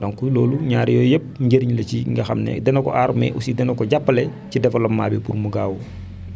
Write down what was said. donc loolu ñaar yooyu yëpp njëriñ la si li nga xam ne dana ko aar mais aussi dana ko jàppale ci développement bi pour mu gaaw